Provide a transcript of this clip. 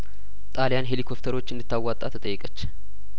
ጣሊያን ሄሊኮፍተሮች እንድታዋጣ ተጠየቀች